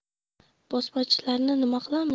bosmachilarni nima qilamiz